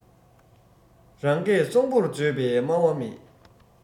རང སྐད སྲོང པོར བརྗོད པའི སྨྲ བ མེད